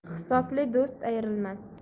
hisobli do'st ayrilmas